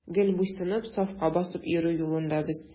Гел буйсынып, сафка басып йөрү юлында без.